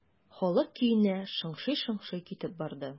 Халык көенә шыңшый-шыңшый китеп барды.